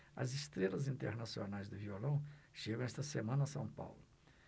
as estrelas internacionais do violão chegam esta semana a são paulo